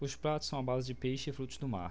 os pratos são à base de peixe e frutos do mar